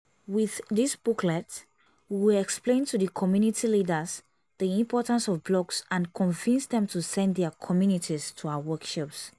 With this booklet, we will explain to the community leaders the importance of blogs and convince them to send their communities to our workshops.